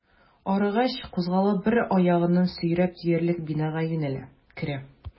Арыгач, кузгала, бер аягын сөйрәп диярлек бинага юнәлә, керә.